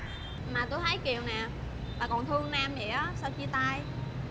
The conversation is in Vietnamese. mà tôi thấy kiều nè bà còn thương nam vậy đó sao chia tay